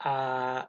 a